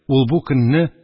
Ул бу көнне